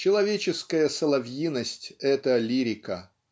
Человеческая соловьиность - это лирика.